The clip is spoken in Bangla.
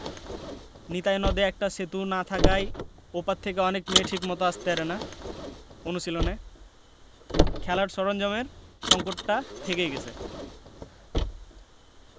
নিতাই নদে একটা সেতু না থাকায় ও পার থেকে অনেক মেয়ে ঠিকমতো আসতে পারে না অনুশীলনে খেলার সরঞ্জামের সংকটটা থেকেই গেছে